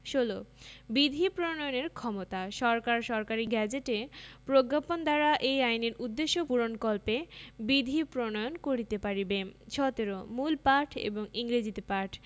১৬ বিধি প্রণয়নের ক্ষমতাঃ সরকার সরকারী গেজেটে প্রজ্ঞাপন দ্বারা এই আইনের উদ্দেশ্য পূরণকল্পে বিধি প্রণয়ন করিতে পারিবে ১৭ মূল পাঠ এবং ইংরেজীতে পাঠঃ